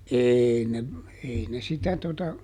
ei ne ei ne sitä tuota